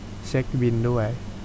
เช็คบิลด้วย